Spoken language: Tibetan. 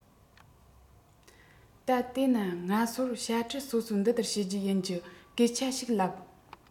ད དེས ན སྔ སོར བྱ སྤྲེལ སོ སོར འདི ལྟར བྱེད རྒྱུ ཡིན གྱི སྐད ཆ ཞིག ལབ